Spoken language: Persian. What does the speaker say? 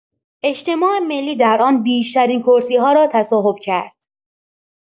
اجتماع ملی در آن بیشترین کرسی‌ها را تصاحب کرد.